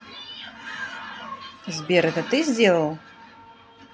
сбер это ты сделал